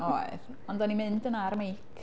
Oedd, ond o'n i'n mynd yna ar 'y meic.